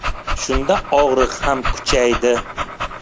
shunda og'riq ham kuchaydi